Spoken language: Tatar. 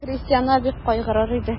Крестьяннар бик кайгыра иде.